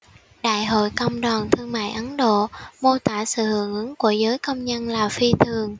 đại hội công đoàn thương mại ấn độ mô tả sự hưởng ứng của giới công nhân là phi thường